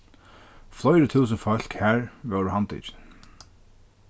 fleiri túsund fólk har vórðu handtikin